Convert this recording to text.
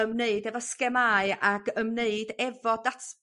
ymwneud efo sgemâu ag ymwneud efo dat-